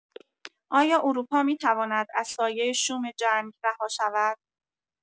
آیا اروپا می‌تواند از سایه شوم جنگ رها شود؟